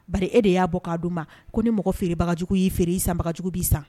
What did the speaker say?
Bari e de y'a bɔ k'a d'u ma ko ni mɔgɔ feerebagajugu y'i feere sanbagajugu b'i san!